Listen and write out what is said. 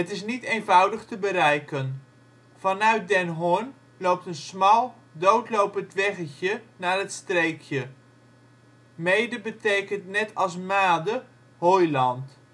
is niet eenvoudig te bereiken. Vanuit Den Horn loopt een smal, doodlopend weggetje naar het streekje. Meeden betekent net als made hooiland